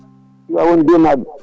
ya woon Douye naajo